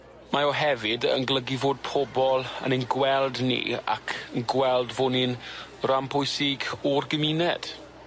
Mae o hefyd yn golygu fod pobol yn ein gweld ni ac yn gweld fo' ni'n rhan pwysig o'r gymuned.